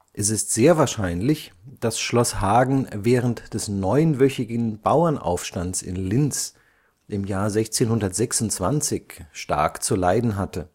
Es ist sehr wahrscheinlich, dass Schloss Hagen während des 9-wöchigen Bauernaufstands in Linz im Jahr 1626 stark zu leiden hatte